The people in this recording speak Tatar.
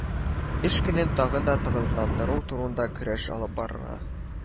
Эш көнен тагын да тыгызландыру турында көрәш алып барырга